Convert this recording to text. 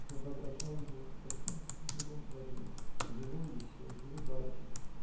Я воображал ее то в том, то в другом положении: живою, веселою, улыбающеюся